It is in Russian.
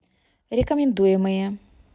рекомендуемые